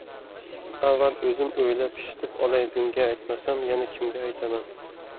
avval o'zim o'ylab pishitib olay unga aytmasam yana kimga aytaman